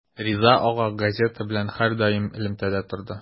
Риза ага газета белән һәрдаим элемтәдә торды.